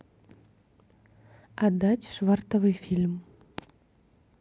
отдать швартовый фильм